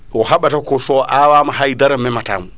ko haɓata ko so awama haydra heɓatamo